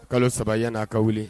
Kalo saba yan n'a ka wuli